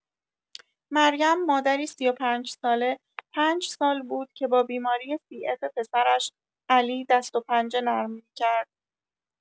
مریم، مادری ۳۵ ساله، پنج سال بود که با بیماری سی‌اف پسرش علی دست و پنجه نرم می‌کرد.